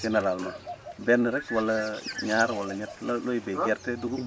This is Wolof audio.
généralement benn rek wala ñaar wala ñett la looy béy gerte dugub